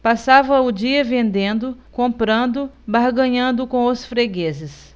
passava o dia vendendo comprando barganhando com os fregueses